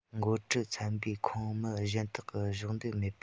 འགོ ཁྲིད ཚན པའི ཁོངས མི གཞན དག གི གཞོགས འདེགས མེད པ